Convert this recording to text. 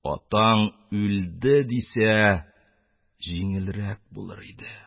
Атаң үлде... дисә, җиңелрәк булыр иде